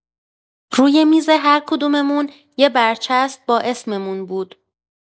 روی میز هر کدوممون یه برچسب با اسممون بود.